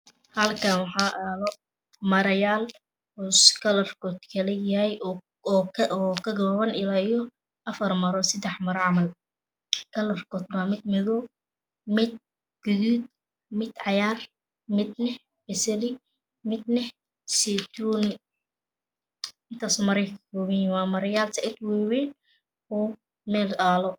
Halkaan waxa aalo Maro yaal oo si kalar Kodi kala yahay oo oo ka koobaan ilaa iyo afar Maro siddax Maro camaal kalarkoodu waa mid madoow mid garuud mid cagaar midne bazali midne zeytuun intaas mare ka kabaan yihiin maryaalka zaaiid u waa ween meel aalo